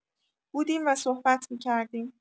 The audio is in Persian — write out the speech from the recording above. بودیم و صحبت می‌کردیم.